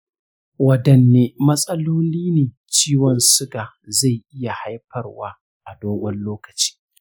wadanne matsaloli ne ciwon suga zai iya haifarwa a dogon lokaci?